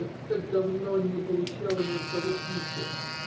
Я так давно не получала ни от кого писем.